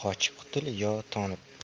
qutul yo tonib